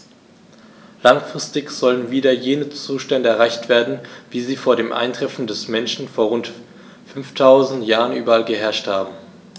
Langfristig sollen wieder jene Zustände erreicht werden, wie sie vor dem Eintreffen des Menschen vor rund 5000 Jahren überall geherrscht haben.